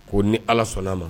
Ko ni Ala sɔnna ma